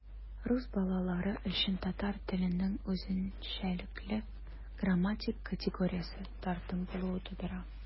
Рус балалары өчен татар теленең үзенчәлекле грамматик категориясе - тартым булуы тудыра.